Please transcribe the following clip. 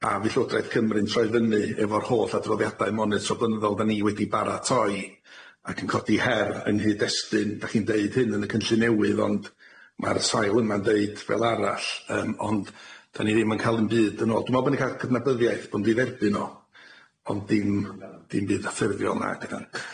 a fydd Llywodraeth Cymru'n troi fyny efo'r holl adroddiadau monitro blynyddol 'da ni wedi baratoi ac yn codi her yng nghyd-destun dach chi'n deud hyn yn y cynllun newydd ond ma'r sail yma'n deud fel arall yym ond 'da ni ddim yn ca'l 'im byd yn ôl dwi me'wl bo' ni'n ca'l cydnabyddiaeth bo nw di dderbyn o ond dim dim byd ffurfiol nag ydan.